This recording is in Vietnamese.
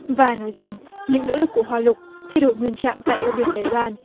và nói rằng những nỗ lực của hoa lục thay đổi nguyên trạng tại eo biển đài loan